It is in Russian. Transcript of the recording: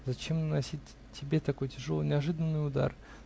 Зачем наносить тебе такой тяжелый, неожиданный удар?